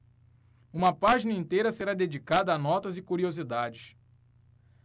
uma página inteira será dedicada a notas e curiosidades